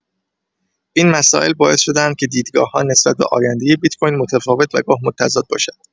این مسائل باعث شده‌اند که دیدگاه‌ها نسبت به آینده بیت‌کوین متفاوت و گاه متضاد باشد.